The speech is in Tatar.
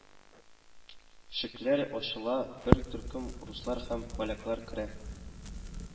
Мшекләр ачыла; бер төркем руслар һәм поляклар керә